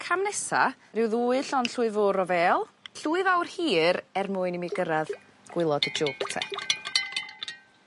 Cam nesa, rhyw ddwy llon' llwy fwr' o fêl. Llwy fawr hir er mwyn i mi gyrradd gwaelod y jwg 'te.